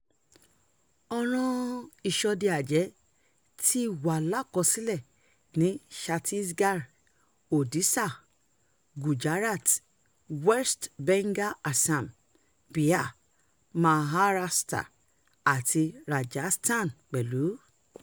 Ọ̀ràn-an ìṣọdẹ-àjẹ́ ti wà l'ákọsílẹ̀ ní Chattisgarh, Odisha, Gujarat, West Bengal Assam, Bihar, Maharashtra àti Rajasthan pẹ̀lú.